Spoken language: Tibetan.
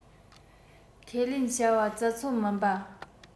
ཁས ལེན བྱ བ བཙལ འཚོལ མིན པ